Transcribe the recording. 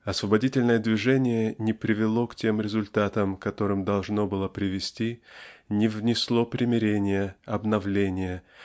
"Освободительное движение" не привело к тем результатам к которым должно было. привести не внесло примирения обновления